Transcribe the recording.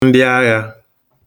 ndị aghā